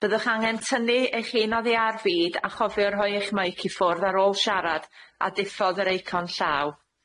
Byddwch angen tynnu eich hun oddi ar fyd a chofio rhoi eich meic i ffwrdd ar ôl siarad a diffodd yr eicon llaw.